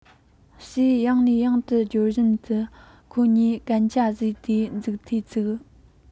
ཞེས ཡང ནས ཡང དུ བརྗོད བཞིན དུ ཁོ གཉིས གན རྒྱ བཟོས ཏེ མཛུབ ཐེལ བཙུགས